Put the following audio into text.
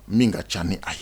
Min ka ca min a ye